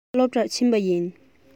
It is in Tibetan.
ང སློབ གྲྭར ཕྱིན པ ཡིན